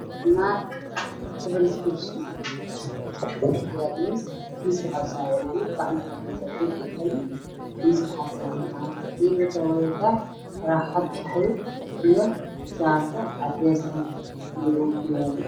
Waa naag meel fadhido warqad ayay fiirinaysaa qalin ay haysaa taroxad midooday ayay qabtaa iyo cabaayad qaxooy ah miis ayaa horyaalo iyo biya cafi